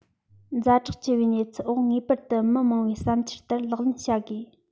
ཛ དྲག ཆེ བའི གནས ཚུལ འོག ངེས པར དུ མི མང བའི བསམ འཆར ལྟར ལག ལེན བྱ དགོས